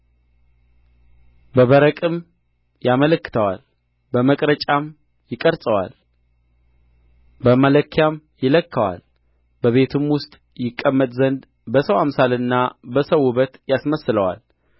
በመቅረጫም ይቀርጸዋል በመለኪያም ይለካዋል በቤትም ውስጥ ይቀመጥ ዘንድ በሰው አምሳልና በሰው ውበት ያስመስለዋል